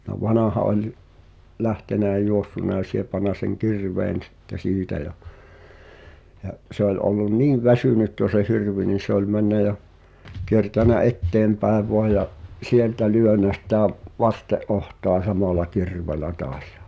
no vanha oli lähtenyt ja juossut ja siepannut sen kirveen sitten siitä ja ja se oli ollut niin väsynyt jo se hirvi niin se oli mennyt ja kiertänyt eteenpäin vain ja sieltä lyönyt sitä - vasten otsaa samalla kirveellä taas ja